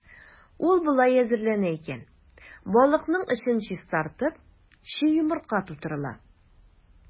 Ул болай әзерләнә икән: балыкның эчен чистартып, чи йомырка тутырыла.